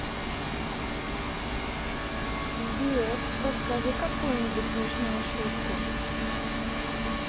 сбер расскажи какую нибудь смешную шутку